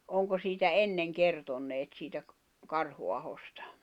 onko siitä ennen kertoneet siitä - Karhuahosta